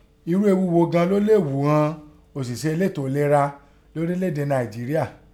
Irú eghu gho gan an ni ó lè ghu ìghọn. òṣìṣẹ́ elétò ìlera lọ́rílẹ̀ èdè Nàìjéríà?